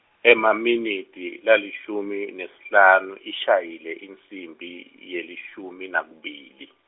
Emaminitsi, lalishumi nesihlanu ishayile insimbi, yelishumi nakubili.